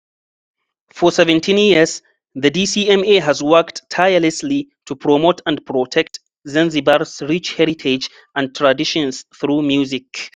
For 17 years, the DCMA has worked tirelessly to promote and protect Zanzibar’s rich heritage and traditions through music.